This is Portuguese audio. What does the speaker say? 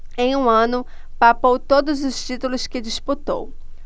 em um ano papou todos os títulos que disputou